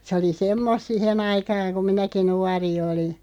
se oli semmoista siihen aikaan kun minäkin nuori olin